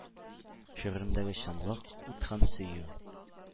Шигъремдәге чынлык, ут һәм сөю —